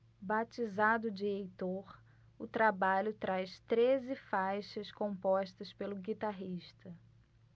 batizado de heitor o trabalho traz treze faixas compostas pelo guitarrista